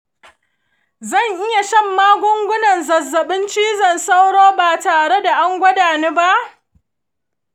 zan iya shan magungunan zazzabin cizon sauro ba tare da an gwada ni ba